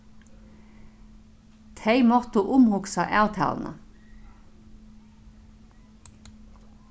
tey máttu umhugsa avtaluna